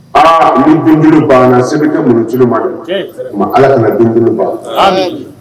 Aaa ni bin duuru banna se bɛ kɛ muntu ma na ala kana don ban